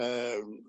yym